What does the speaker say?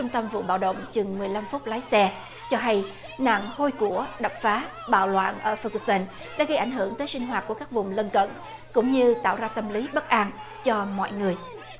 trung tâm số báo động chừng mười lăm phút lái xe cho hay nạn hôi của đập phá bạo loạn ở phơ cơ sơn đã gây ảnh hưởng tới sinh hoạt của các vùng lân cận cũng như tạo ra tâm lý bất an cho mọi người